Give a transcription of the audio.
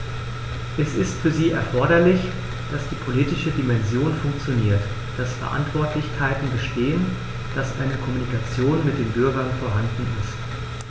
Es ist für sie erforderlich, dass die politische Dimension funktioniert, dass Verantwortlichkeiten bestehen, dass eine Kommunikation mit den Bürgern vorhanden ist.